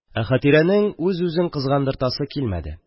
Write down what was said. Ә Хәтирәнең үз-үзен кызгандыртасы килмәде: